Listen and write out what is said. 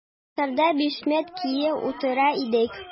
Классларда бишмәт киеп утыра идек.